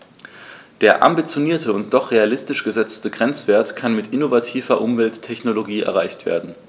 Der ambitionierte und doch realistisch gesetzte Grenzwert kann mit innovativer Umwelttechnologie erreicht werden.